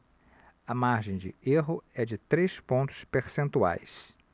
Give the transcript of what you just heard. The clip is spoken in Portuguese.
a margem de erro é de três pontos percentuais